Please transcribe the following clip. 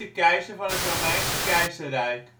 keizer van het Romeinse Keizerrijk